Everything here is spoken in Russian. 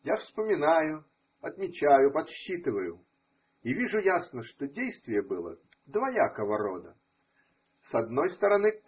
Я вспоминаю, отмечаю, подсчитываю, и вижу ясно, что действие было двоякого рода. С одной стороны.